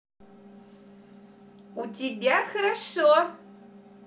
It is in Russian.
у тебя хорошо